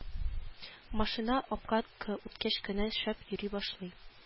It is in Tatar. Машина обкатка үткәч кенә шәп йөри башлый